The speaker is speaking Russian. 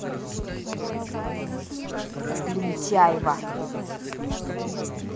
лентяево